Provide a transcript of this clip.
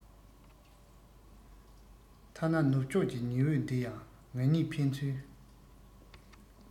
ཐ ན ནུབ ཕྱོག ཀྱི ཉི འོད འདི ཡང ང གཉིས ཕན ཚུན